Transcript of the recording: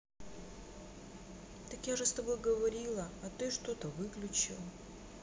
так я же с тобой говорил а ты что то включил